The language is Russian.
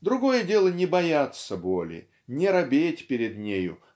Другое дело -- не бояться боли не робеть перед нею